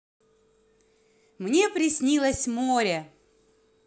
мне приснилось море